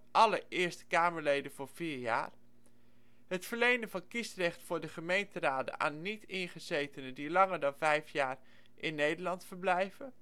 alle Eerste-Kamerleden voor vier jaar het verlenen van kiesrecht voor de gemeenteraden aan niet-ingezetenen die langer dan 5 jaar in Nederland verblijven